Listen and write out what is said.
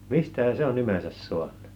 mistähän se on nimensä saanut